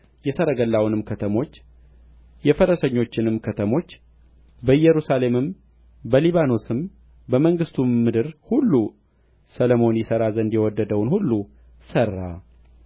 የሰረገላውንም ከተሞች የፈረሰኞችንም ከተሞች በኢየሩሳሌምም በሊባኖስም በመንግሥቱም ምድር ሁሉ ሰሎሞን ይሠራ ዘንድ የወደደውን ሁሉ ሠራ